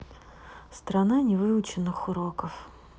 страна невыученных уроков